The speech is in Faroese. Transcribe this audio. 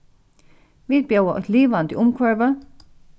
vit bjóða eitt livandi umhvørvi